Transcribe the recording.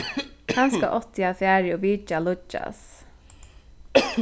kanska átti eg at farið og vitjað líggjas